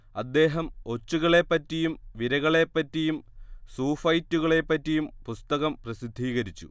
അദ്ദേഹം ഒച്ചുകളെപ്പറ്റിയും വിരകളെപ്പറ്റിയും സൂഫൈറ്റുകളെപ്പറ്റിയും പുസ്തകം പ്രസിദ്ധീകരിച്ചു